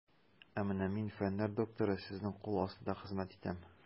Ә менә мин, фәннәр докторы, сезнең кул астында хезмәт итәм.